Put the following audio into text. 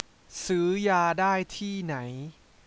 ซื้อยาได้ที่ไหน